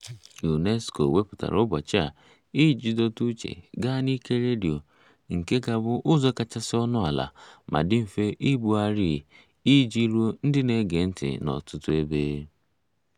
UNESCO wepụtara ụbọchị a iji dọta uche gaa n'ike redio — nke ka bụ ụzọ kachasị ọnụ ala ma dị mfe ibugharị iji ruo ndị na-ege ntị n'ọtụtụ ebe.